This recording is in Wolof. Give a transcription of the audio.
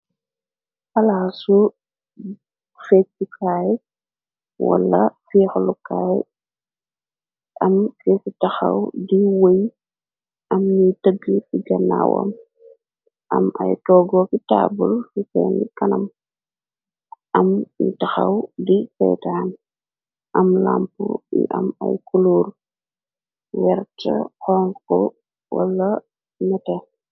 Palaasu feejcukaay wala fiixlukaay am fefi taxaw di wëy am ñi tëgg ci gannaawam am ay toogo ki taabul fifenni kanam am ni taxaw di feytaan am lamp yi am ay kuluur wert xonko wala mete.